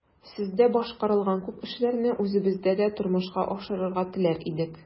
Сездә башкарылган күп эшләрне үзебездә дә тормышка ашырырга теләр идек.